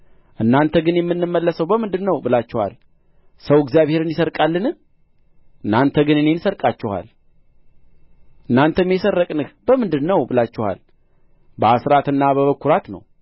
እናንተ ግን የምንመለሰው በምንድር ነው ብላችኋል ሰው እግዚአብሔርን ይሰርቃልን እናንተ ግን እኔን ሰርቃችኋል እናንተም የሰረቅንህ በምንድር ነው ብላችኋል በአሥራትና በበኵራት ነው